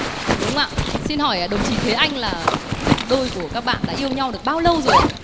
đúng không ạ xin hỏi đồng chí thế anh là đôi của các bạn đã yêu nhau được bao lâu rồi ạ